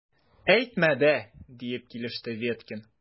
Әйтмә дә! - дип килеште Веткин.